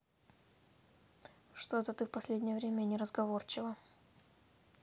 что то ты в последнее время не разговорчива